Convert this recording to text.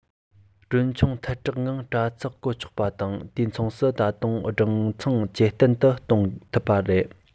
གྲོན ཆུང ཐལ དྲགས ངང པྲ ཚིལ བཀོལ ཆོག པ དང དུས མཚུངས སུ ད དུང སྦྲང ཚང ཇེ བརྟན དུ གཏོང ཐུབ པ རེད